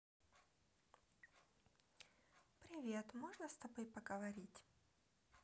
привет можно с тобой поговорить